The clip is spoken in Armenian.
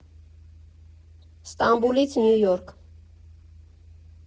Ստամբուլից Նյու Յորք.